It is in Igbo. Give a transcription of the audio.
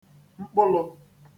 mkpulụ̄